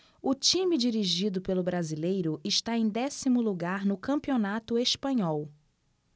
o time dirigido pelo brasileiro está em décimo lugar no campeonato espanhol